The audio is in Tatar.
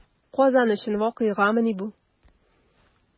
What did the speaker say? Казан өчен вакыйгамыни бу?